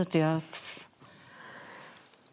...ydi o.